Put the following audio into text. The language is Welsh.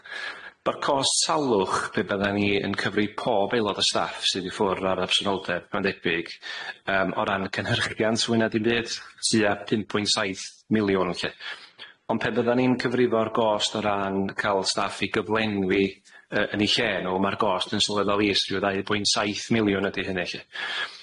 Ma'r cost salwch be' bydda ni yn cyfri pob aelod o staff sydd i ffwr' ar absenoldeb, ma'n debyg yym o ran cynhyrchiant fwy na dim byd, tua pump pwynt saith miliwn 'lly, ond pe' bydda ni'n cyfrifo'r gost o ran ca'l staff i gyflenwi yy yn 'u lle n'w ma'r gost yn sylweddol i os yw ddau pwynt saith miliwn ydi hynny 'lly.